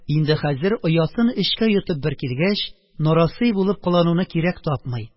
Инде хәзер, оятын эчкә йотып бер килгәч, нарасый булып кылануны кирәк тапмый